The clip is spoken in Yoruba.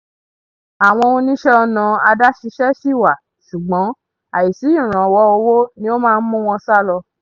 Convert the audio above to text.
"Àwọn oníṣẹ́-ọnà adáṣiṣẹ́ ṣì wà, ṣùgbọ́n àìsí ìrànwọ́ owó ni ó máa ń mú wọ́n sálọ.